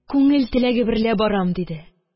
Күңел теләге берлә барам, – диде.